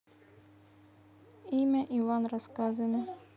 имя иван рассказами